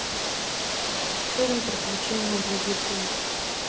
фильм приключения для детей